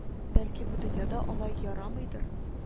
Бәлки бу дөньяда алай ярамыйдыр